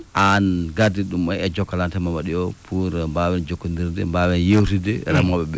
aan gardiiɗo ɗum oo e Jokalante mbo waɗi o pour mbaawen jokkonndirde mbaawen yewtitde e remooɓe ɓee